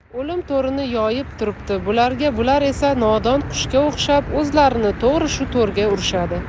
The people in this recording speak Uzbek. o'lim to'rini yoyib turibdi bularga bular esa nodon qushga o'xshab o'zlarini to'g'ri shu to'rga urishadi